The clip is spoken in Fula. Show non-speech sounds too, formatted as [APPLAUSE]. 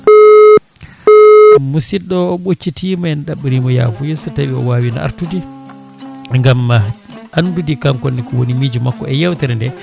[NOISE] musidɗo o o ɓoccitima e ɗaɓɓirimo yafuya so tawi o wawino artude gaam andude kankone ko woni miijo makko e yewtere nde